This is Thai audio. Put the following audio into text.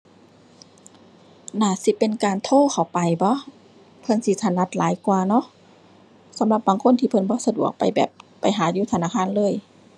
น่าสิเป็นการโทรเข้าไปบ่ เพิ่นสิถนัดหลายกว่าเนาะ สำหรับบางคนที่เพิ่นบ่สะดวกไปแบบ ไปหาอยู่ธนาคารเลย